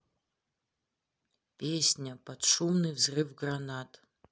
песня под шумный взрыв гранат